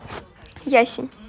ясень